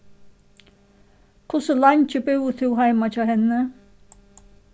hvussu leingi búði tú heima hjá henni